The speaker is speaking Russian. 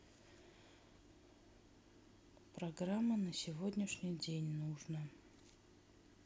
программа на сегодняшний день нужно